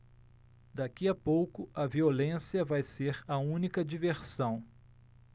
daqui a pouco a violência vai ser a única diversão